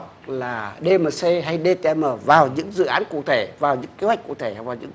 là đê mờ xê hay đê e mờ vào những dự án cụ thể vào những kế hoạch cụ thể